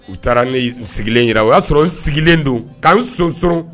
U taara n sigilen jira o y'a sɔrɔ sigilen don k'an sonson